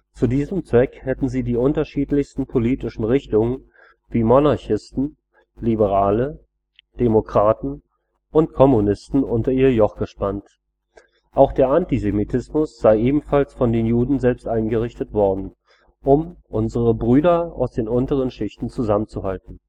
Zu diesem Zweck hätten sie die unterschiedlichsten politischen Richtungen wie Monarchisten, Liberale, Demokraten und Kommunisten unter ihr Joch gespannt. Auch der Antisemitismus sei ebenfalls von den Juden selbst eingerichtet worden, um „ unsere Brüder aus den unteren Schichten zusammenzuhalten